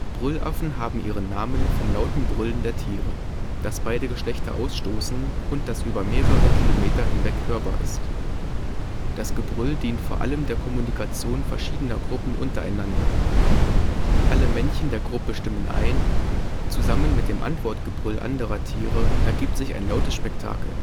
Brüllaffen haben ihren Namen vom lauten Brüllen der Tiere, das beide Geschlechter ausstoßen und das über mehrere Kilometer hinweg hörbar ist. Das Gebrüll dient vor allem der Kommunikation verschiedener Gruppen untereinander. Alle Männchen der Gruppe stimmen ein, zusammen mit dem Antwortgebrüll anderer Tiere ergibt sich ein lautes Spektakel